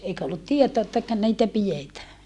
eikä ollut tietoa ettäkö niitä pidetään